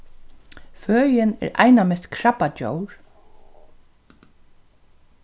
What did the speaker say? føðin er einamest krabbadjór